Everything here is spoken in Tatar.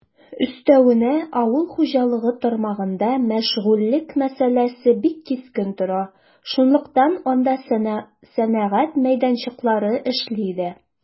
Өстәвенә, авыл хуҗалыгы тармагында мәшгульлек мәсьәләсе бик кискен тора, шунлыктан анда сәнәгать мәйданчыклары эшли дә.